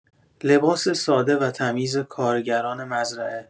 لباس ساده و تمیز کارگران مزرعه